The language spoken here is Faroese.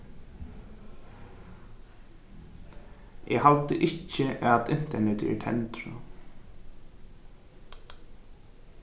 eg haldi ikki at internetið er tendrað